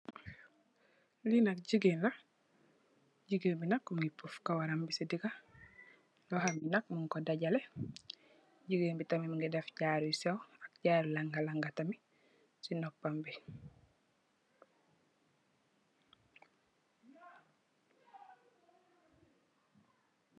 Lii nak jigeen la, jigeen bi nak mingi poff kawaram ngi si digge, loxom bi nak mung ko dajale, jigeen bi tamit mingi def jaaru yu sew, jaaru langalanga tamit si noppam bi,